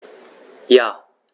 Ja.